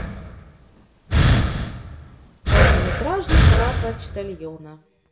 полнометражный про почтальона